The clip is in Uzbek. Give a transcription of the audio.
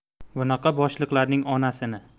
bunaqa boshliqlarning onasini